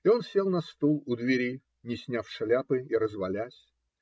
И он сел на стул у двери, не сняв шляпы и развалясь.